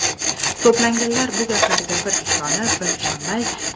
to'planganlar bu gaplarga bir ishonib bir ishonmay